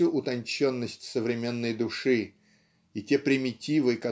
всю утонченность современной души и те примитивы